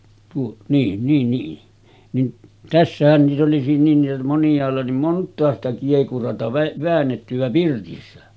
tuo niin niin niin niin tässähän niitä oli niillä oli moniailla oli montaa sitä kiekuraa - väännettyä pirtissä